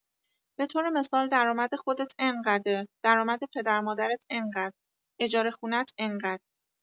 به‌طور مثال درآمد خودت انقده، درآمد پدر مادرت انقد، اجاره خونه‌ت انقد